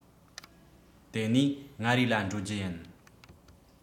དེ ནས མངའ རིས ལ འགྲོ རྒྱུ ཡིན